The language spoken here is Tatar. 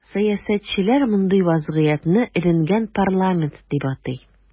Сәясәтчеләр мондый вазгыятне “эленгән парламент” дип атый.